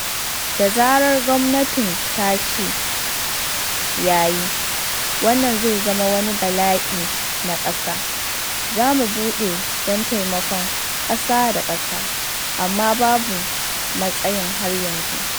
Da zarar gwamnatin ta ce, “Ya yi, wannan zai zama wani bala’i na ƙasa,” za mu buɗe don taimakon ƙasa-da-ƙasa amma babu matsayin har yanzu.”